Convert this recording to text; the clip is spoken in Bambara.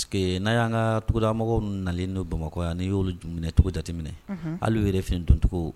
Que n'a y'an ka tugudamɔgɔw na n'o bamakɔ yan ni y'oolu jumɛn cogo jatetɛminɛ hali yɛrɛ finitcogo